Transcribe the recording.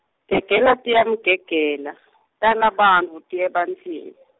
Gegela tiyamgegela , tala bantfu tiye ebantfwini.